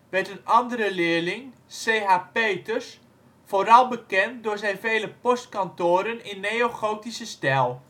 werd een andere leerling, C.H. Peters, vooral bekend door zijn vele postkantoren in neogotische stijl